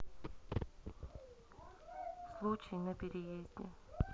случай на переезде